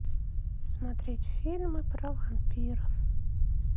смотреть фильмы про вампиров